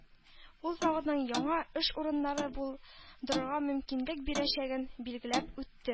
Ул заводның яңа эш урыннары булдырырга мөмкинлек бирәчәген билгеләп үтте